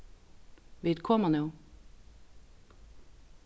vit koma nú